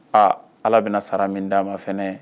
Aa ala bɛna sara min d'a ma fɛ ne ye